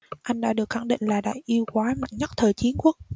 anh đã được khẳng định là đại yêu quái mạnh nhất thời chiến quốc